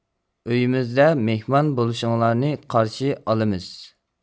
ئۆيىمىزدە مېھمان بولۇشۇڭلارنى قارشى ئالىمىز